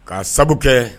K'a sabu kɛ